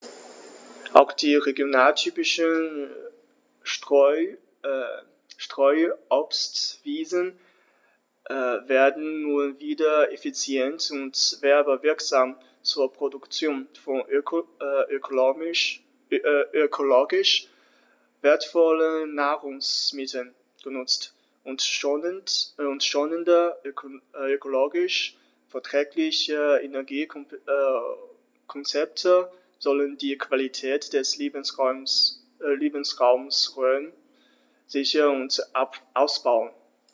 Auch die regionaltypischen Streuobstwiesen werden nun wieder effizient und werbewirksam zur Produktion von ökologisch wertvollen Nahrungsmitteln genutzt, und schonende, ökologisch verträgliche Energiekonzepte sollen die Qualität des Lebensraumes Rhön sichern und ausbauen.